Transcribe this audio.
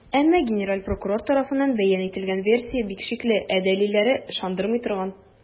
Әмма генераль прокурор тарафыннан бәян ителгән версия бик шикле, ә дәлилләре - ышандырмый торган.